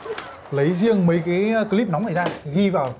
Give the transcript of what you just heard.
lấy riêng mấy cái cờ líp nóng này ra ghi vào